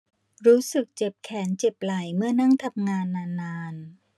รู้สึกเจ็บแขนเจ็บไหล่เมื่อนั่งทำงานนานนาน